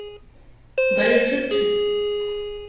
og teir eru tríggir